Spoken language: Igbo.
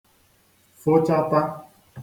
fụchata